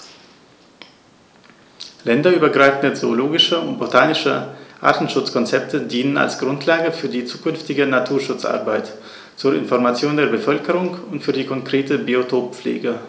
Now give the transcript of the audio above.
Länderübergreifende zoologische und botanische Artenschutzkonzepte dienen als Grundlage für die zukünftige Naturschutzarbeit, zur Information der Bevölkerung und für die konkrete Biotoppflege.